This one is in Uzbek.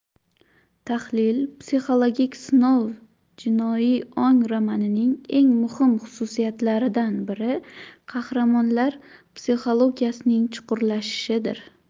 tahlil psixologik sinov jinoiy ong romanning eng muhim xususiyatlaridan biri qahramonlar psixologiyasining chuqurlashishidir